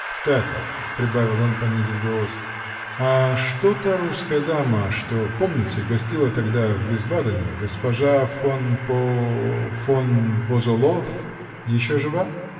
Кстати, -- прибавил он, понизив голос, -- а что та русская дама, что, помните, гостила тогда в Висбадене -- госпожа фон Бо. фон Бозолоф -- еще жива?